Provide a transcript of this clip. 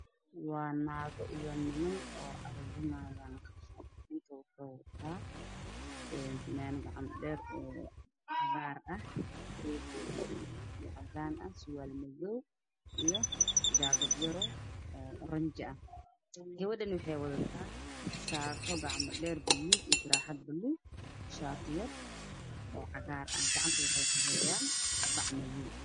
Waa naago iyo niman waxa ey aruurinayaan qashin waxa ay wataan dhar gaduud iyo cadaan ah